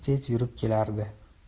tez yurib kelardi